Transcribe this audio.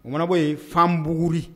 Oumanabɔ yen fan bbugugri